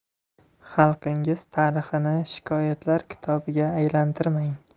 xalqingiz tarixini shikoyatlar kitobiga aylantirmang